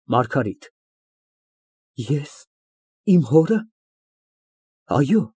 ՄԱՐԳԱՐԻՏ ֊ Ե՞ս, իմ հո՞րը։ (Դրական և ջերմագին) Այո։